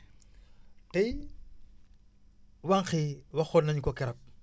tay wànq yi waxoon nañu ko keroog